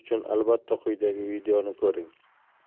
uchun albatta quyidagi videoni ko'ring